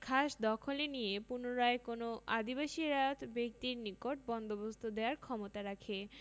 খাসদখলে নিয়ে পুনরায় কোনও আদিবাসী রায়ত ব্যক্তির নিকট বন্দোবস্ত দেয়ার ক্ষমতা রাখে